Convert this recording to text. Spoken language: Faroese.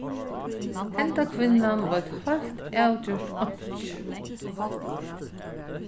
henda kvinnan veit heilt avgjørt einki